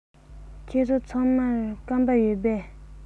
ཁྱེད ཚོ ཚང མར སྐམ པ ཡོད པས